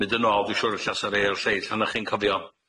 mynd yn ôl. Dwi'n siŵr ella 'sa rhei o'r lleill 'onach chi'n cofio